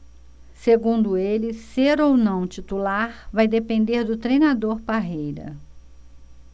segundo ele ser ou não titular vai depender do treinador parreira